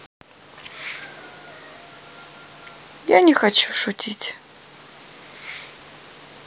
я не хочу шутить